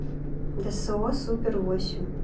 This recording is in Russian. дсо супер восемь